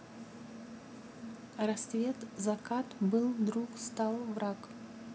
рассвет закат был друг стал враг